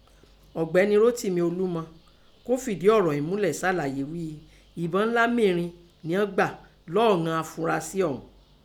Ọ̀gbẹ́ni Rótìmí Olúmọ kọ́ fìdí ọ̀rọ̀ ìín múlẹ̀ sàlàyé ghíi ebọn ńlá mérin nìán gbà lọ́ọ́ ìnọn afurasí ọ̀ún .